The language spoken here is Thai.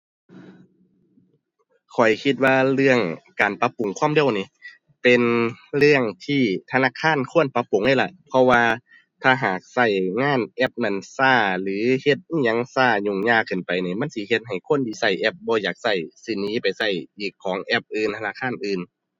ข้อยคิดว่าเรื่องการปรับปรุงความเร็วนี่ เป็นเรื่องที่ธนาคารควรปรับปรุงเลยล่ะ เพราะว่าถ้าหากใช้งานแอปนั้นใช้หรือเฮ็ดอิหยังใช้ ยุ่งยากเกินไปนี่ มันสิเฮ็ดให้คนที่ใช้แอปบ่อยากใซ้ สิหนีไปใช้อีกของแอปอื่น ธนาคารอื่น